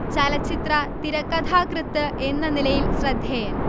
ചലച്ചിത്ര തിരക്കഥാകൃത്ത് എന്ന നിലയിൽ ശ്രദ്ധേയൻ